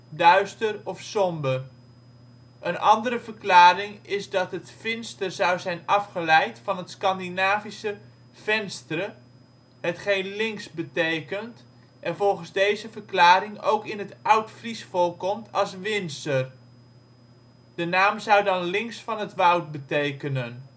duister "," somber "). Een andere verklaring is dat het " finster " zou zijn afgeleid van het Scandinavische " venstre ", hetgeen " links " betekent en volgens deze verklaring ook in het Oudfries voorkomt als " winser ". De naam zou dan " links van het woud " betekenen